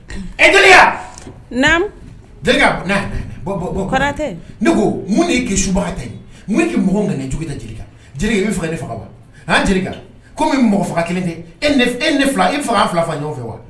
Etɛ ne ko mun kesubaga mɔgɔ ne jugu jeli faga ne faga wa kɔmi mɔgɔ faga kelen tɛ e e faga fila faga ɲɔgɔn fɛ wa